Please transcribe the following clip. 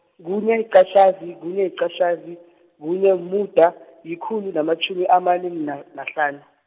kunye, yiqatjhazi, kunye, yiqatjhazi, kunye, umuda, yikhulu namatjhumi amane na- nahlanu.